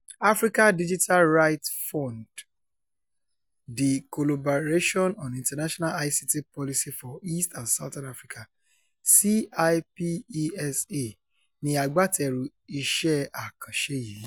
Africa Digital Rights Fund àti The Collaboration on International ICT Policy for East and Southern Africa (CIPESA) ni agbátẹrù iṣẹ́ àkànṣe yìí.